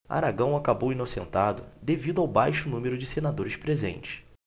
aragão acabou inocentado devido ao baixo número de senadores presentes